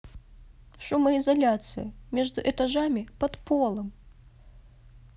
шумоизоляция между этажами под полом